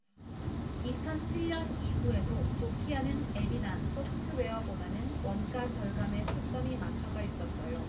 이천 칠 년 이후에도 노키아는 앱이나 소프트웨어보다 원가절감에 초점이 맞춰져 있었어요